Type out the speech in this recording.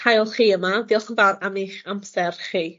cael chi yma diolch yn fawr am eich amser chi,